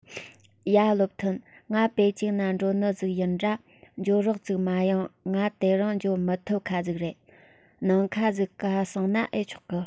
ཡ བློ མཐུན ང པེ ཅིན ན འགྲོ ནི ཟིག ཡིན དྲ འགྱོ རོགས ཟིག མ ཡོང ང དེ རིང འགྱོ མི ཐུབ ཁ ཟིག རེད ནིང ཁ ཟིག ག སོང ན ཨེ ཆོག གི